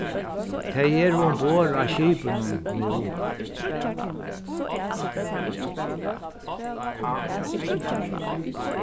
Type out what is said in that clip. tey eru umborð á skipinum nú